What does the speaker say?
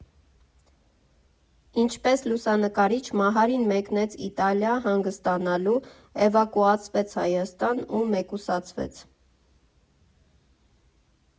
Ինչպես լուսանկարիչ Մահարին մեկնեց Իտալիա հանգստանալու, էվակուացվեց Հայաստան ու մեկուսացվեց։